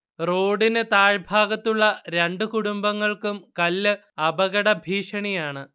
റോഡിന് താഴ്ഭാഗത്തുള്ള രണ്ട് കുടുംബങ്ങൾക്കും കല്ല് അപകടഭീഷണിയാണ്